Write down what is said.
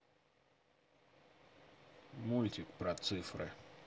мультики про цифры